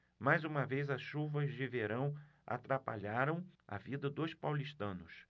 mais uma vez as chuvas de verão atrapalharam a vida dos paulistanos